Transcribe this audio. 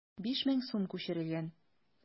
5000 сум күчерелгән.